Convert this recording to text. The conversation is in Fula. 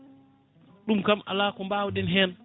ɗum kam ala ko bawɗen hen